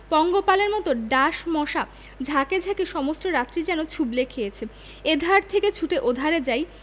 পঙ্গপালের মত ডাঁশ মশা ঝাঁকে ঝাঁকে সমস্ত রাত্রি যেন ছুবলে খেয়েছে এধার থেকে ছুটে ওধারে যাই